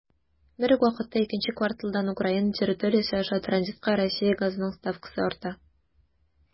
Бер үк вакытта икенче кварталдан Украина территориясе аша транзитка Россия газының ставкасы арта.